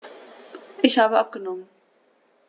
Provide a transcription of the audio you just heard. Ich habe abgenommen.